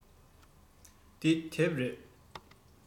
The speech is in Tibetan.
འདི དེབ རེད